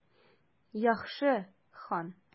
Яхшы, хан.